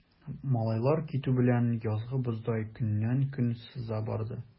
Малайлар китү белән, язгы боздай көннән-көн сыза барды.